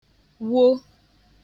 wo